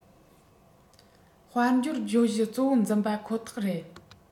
དཔལ འབྱོར བརྗོད གཞི གཙོ བོར འཛིན པ ཁོ ཐག རེད